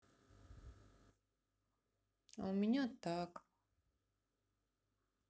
а у меня так